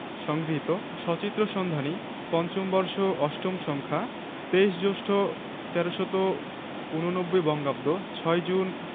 সংগৃহীত সচিত্র সন্ধানী৫ম বর্ষ ৮ম সংখ্যা ২৩ জ্যৈষ্ঠ ১৩৮৯ বঙ্গাব্দ৬ জুন